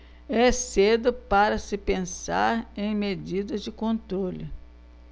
é cedo para se pensar em medidas de controle